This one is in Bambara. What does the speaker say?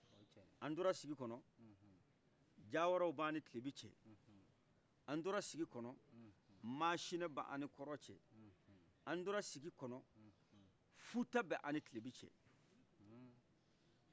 an tora sigi kɔnɔ jawaraw ba'ni tilebin cɛ an tora sigi kɔnɔ macina ba'ni kɔrɔn cɛ an tora sigi kɔnɔ fouta ba'ni tilebin cɛ